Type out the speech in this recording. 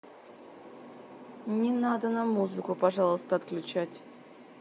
не надо нам музыку пожалуйста отключить